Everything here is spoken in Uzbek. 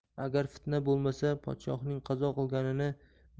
agar fitna bo'lmasa podshohning qazo qilganini